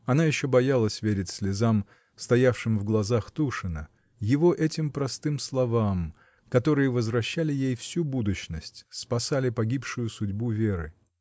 Она еще боялась верить слезам, стоявшим в глазах Тушина, его этим простым словам, которые возвращали ей всю будущность, спасали погибавшую судьбу Веры.